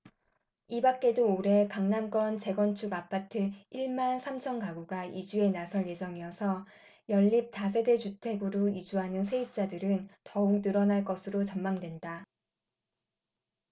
이밖에도 올해 강남권 재건축 아파트 일 만 삼천 가구가 이주에 나설 예정이어서 연립 다세대주택으로 이주하는 세입자들은 더욱 늘어날 것으로 전망된다